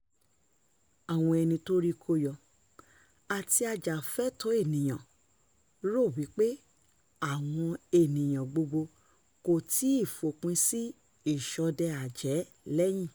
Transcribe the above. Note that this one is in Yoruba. Àwọn ẹni-tórí-kó-yọ àti ajàfẹ́tọ̀ọ́-ènìyàn rò wípé àwọn ènìyàn gbogbo kò ti ìfòpin sí ìṣọdẹ-àjẹ́ lẹ́yìn.